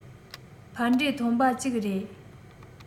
ཕན འབྲས ཐོན པ ཅིག རེད